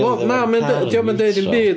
Wel na mae o'n... 'Di o'm yn deud dim byd...